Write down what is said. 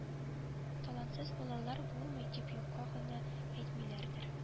Талантсыз балалар булмый дип юкка гына әйтмиләрдер